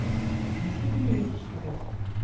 ну что ты не можешь сказать